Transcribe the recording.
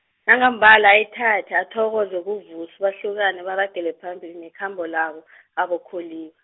nangambala ayithathe athokoze kuVusi bahlukane baragele phambili nekhambo labo , aboKholiwe.